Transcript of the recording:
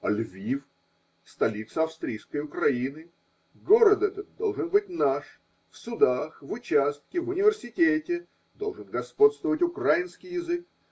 а Львив, столица австрийской Украины: город этот должен быть наш, в судах, в участке, в университете должен господствовать украинский язык.